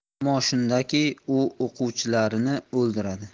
muammo shundaki u o'quvchilarini o'ldiradi